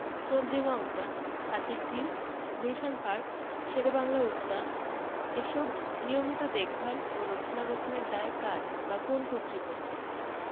Chandrima Udyan Hatirjheel Gulshan park Sher e Bangla Udyan এসব নিয়মিত দেখভাল ও রক্ষণাবেক্ষণের দায় কার বা কোন্ কর্তৃপক্ষের